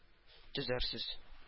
Төзәрсез